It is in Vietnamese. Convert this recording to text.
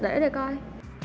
để rồi